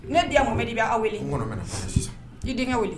Ne diya mun bɛ' b' aw wele i denkɛ weele